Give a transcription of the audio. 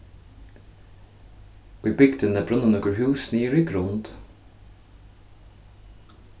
í bygdini brunnu nøkur hús niður í grund